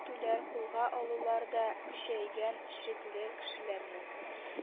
Тентүләр, кулга алулар да көчәйгән, шикле кешеләрне